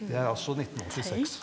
det er altså nittenåttiseks.